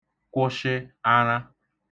kwushị aṙa